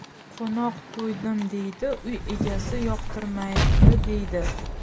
qo'noq to'ydim deydi uy egasi yoqtirmadi deydi